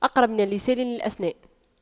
أقرب من اللسان للأسنان